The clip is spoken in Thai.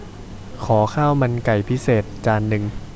ขอข้าวมันไก่พิเศษจานนึง